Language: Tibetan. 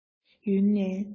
ཡུན ནན